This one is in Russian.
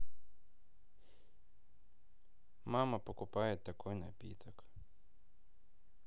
мама покупает такой напиток